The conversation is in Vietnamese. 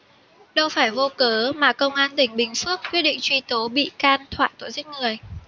đâu phải vô cớ mà công an tỉnh bình phước quyết định truy tố bị can thoại tội giết người